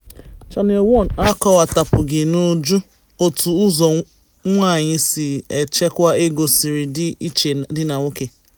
Channel One akọwapụtaghị n'uju, otu ụzọ nwaanyị si echekwa ego siri dị iche na nke nwoke.